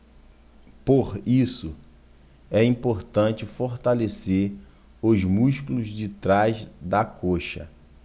por isso é importante fortalecer os músculos de trás da coxa